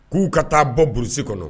K'u ka taa bɔ burusi kɔnɔ